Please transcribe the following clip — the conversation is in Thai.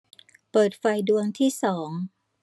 เปิดไฟดวงที่สอง